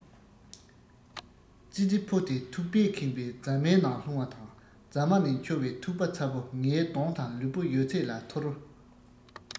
ཙི ཙི ཕོ དེ ཐུག པས ཁེངས པའི རྫ མའི ནང ལྷུང བ དང རྫ མ ནས འཕྱོ བའི ཐུག པ ཚ པོ ངའི གདོང དང ལུས པོ ཡོད ཚད ལ ཐོར